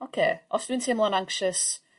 oce os dwi'n teimlo'n anxious